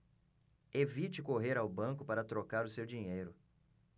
evite correr ao banco para trocar o seu dinheiro